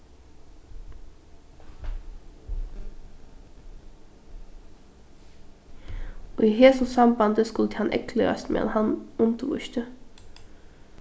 í hesum sambandi skuldi hann eygleiðast meðan hann undirvísti